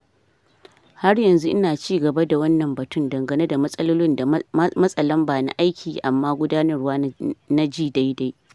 Har yanzu ina ci gaba da wannan batun dangane da matsalolin da matsa lamba na aikin amma gudanarwa na ji daidai.